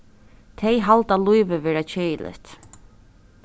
tey halda lívið vera keðiligt